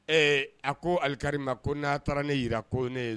Ee a ko aliki ma ko n'a taara ne yi jira ko ne ye